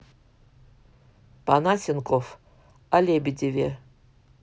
понасенков о лебедеве